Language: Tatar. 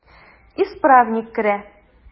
Исправник керә.